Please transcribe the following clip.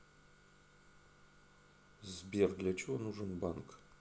сбер для чего нужен банк